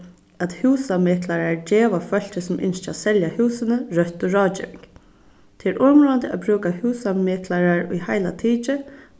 at húsameklarar geva fólki sum ynskja at selja húsini røttu ráðgeving tað er umráðandi at brúka húsameklarar í heila tikið